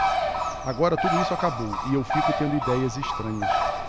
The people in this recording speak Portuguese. agora tudo isso acabou e eu fico tendo idéias estranhas